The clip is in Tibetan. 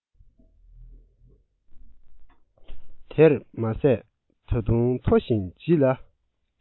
དེར མ ཟད ད དུང མཐོ ཞིང བརྗིད ལ